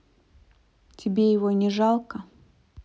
тебе его не жалко